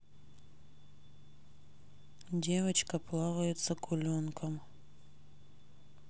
девочка плавает с акуленком